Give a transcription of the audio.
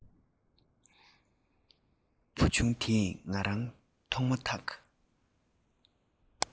བུ ཆུང བ དེས ང རང མཐོང མ ཐག